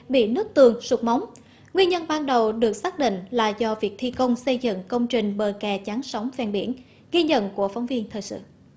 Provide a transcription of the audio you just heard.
bị nứt tường sụt móng nguyên nhân ban đầu được xác định là do việc thi công xây dựng công trình bờ kè chắn sóng ven biển ghi nhận của phóng viên thời sự